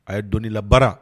A ye dɔnnii la baara